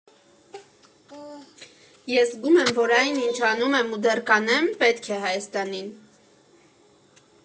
«Ես զգում եմ, որ այն, ինչ անում եմ ու դեռ կանեմ պետք է Հայաստանին։